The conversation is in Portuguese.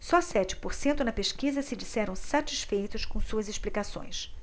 só sete por cento na pesquisa se disseram satisfeitos com suas explicações